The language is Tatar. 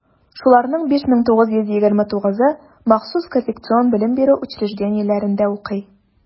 Шуларның 5929-ы махсус коррекцион белем бирү учреждениеләрендә укый.